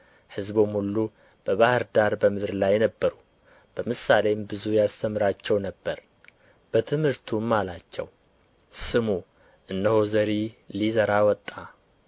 ሕዝቡም ሁሉ በባሕር ዳር በምድር ላይ ነበሩ በምሳሌም ብዙ ያስተምራቸው ነበር በትምህርቱም አላቸው ስሙ እነሆ ዘሪ ሊዘራ ወጣ